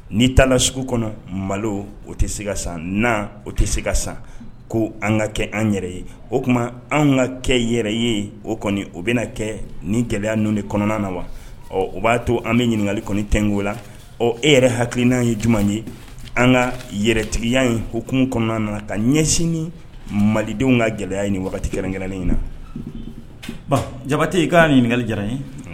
N'i taara sugu kɔnɔ mali o tɛ se ka san na o tɛ se ka san ko an ka kɛ an yɛrɛ ye o tuma an ka kɛ yɛrɛ ye o kɔni o bɛna na kɛ ni gɛlɛya ninnu de kɔnɔna na wa ɔ o b'a to an bɛ ɲininkaka kɔni tɛ oo la ɔ e yɛrɛ hakili n'an ye j ye an ka yɛrɛtigiya ye hk kɔnɔna na ka ɲɛsin malidenw ka gɛlɛya ɲini kɛ ngɛ in na ban jabatɛ ye i k' ɲininkakali diyara n ye